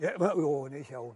Ie ma- oh neis iawn.